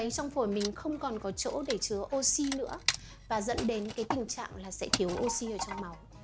thì khi đó phổi trong mình sẽ không còn chỗ để chứa oxi nữa và sẽ dẫn tới cái tình trạng là thiếu oxi ở trong máu